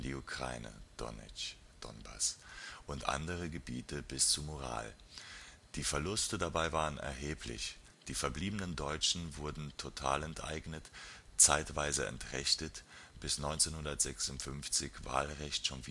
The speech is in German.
Ukraine (Donezk), (Donbass) und andere Gebiete bis zum Ural. Die Verluste dabei waren erheblich. Die verbliebenen Deutschen wurden totalenteignet, zeitweise entrechtet (bis 1956, Wahlrecht schon